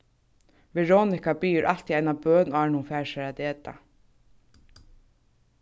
veronika biður altíð eina bøn áðrenn hon fær sær at eta